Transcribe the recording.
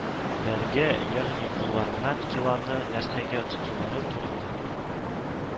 Бәргә, ягъни кулларыннан киланы нәрсәгә тотулары турында